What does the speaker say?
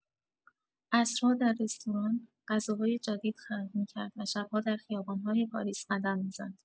عصرها در رستوران غذاهای جدید خلق می‌کرد و شب‌ها در خیابان‌های پاریس قدم می‌زد.